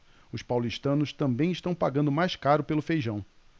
os paulistanos também estão pagando mais caro pelo feijão